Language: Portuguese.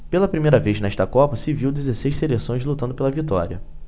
pela primeira vez nesta copa se viu dezesseis seleções lutando pela vitória